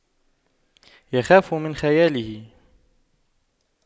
يخاف من خياله